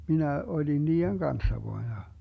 minä olin niiden kanssa vain ja